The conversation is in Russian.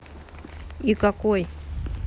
и какой